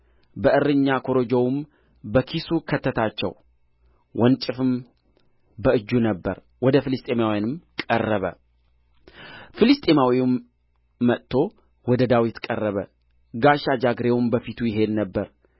በእረኛ ኮረጆውም በኪሱ ከተታቸው ወንጭፍም በእጁ ነበረ ወደ ፍልስጥኤማዊውም ቀረበ ፍልስጥኤማዊውም መጥቶ ወደ ዳዊት ቀረበ ጋሻ ጃግሬውም በፊቱ ይሄድ ነበር